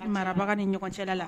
Marabaga ni ɲɔgɔncɛ la la